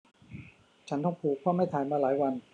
ฉันท้องผูกเพราะไม่ถ่ายมาหลายวัน